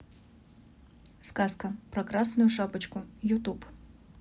сказка про красную шапочку ютуб